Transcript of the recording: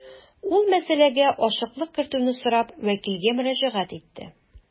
Ул мәсьәләгә ачыклык кертүне сорап вәкилгә мөрәҗәгать итте.